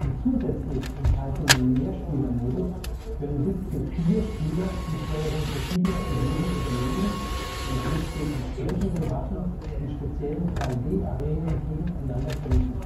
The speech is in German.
zusätzlich enthaltenen Mehrspielermodus können bis zu vier Spieler die Steuerung verschiedener Figuren übernehmen und mit den entsprechenden Waffen in speziellen 3D-Arenen gegeneinander kämpfen